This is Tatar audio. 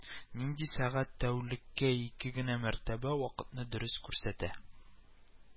Нинди сәгать тәүлеккә ике генә мәртәбә вакытны дөрес күрсәтә